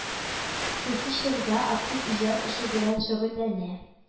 Шушы чорда актив иҗат эше белән шөгыльләнә